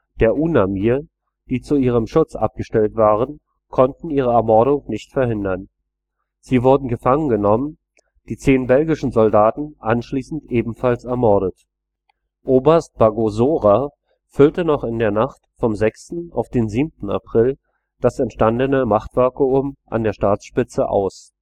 der UNAMIR, die zu ihrem Schutz abgestellt waren, konnten ihre Ermordung nicht verhindern. Sie wurden gefangengenommen, die zehn belgischen Soldaten anschließend ebenfalls ermordet. Oberst Bagosora füllte noch in der Nacht vom 6. auf den 7. April das entstandene Machtvakuum an der Staatsspitze aus